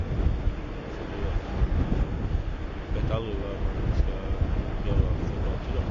Fordi at man vet aldri hva man skal gjøre fra dag til dag.